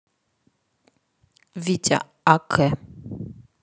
витя ак